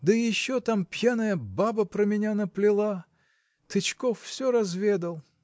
Да еще там пьяная баба про меня наплела. Тычков всё разведал.